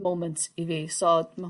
moment* i fi so ma'...